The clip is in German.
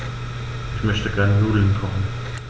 Ich möchte gerne Nudeln kochen.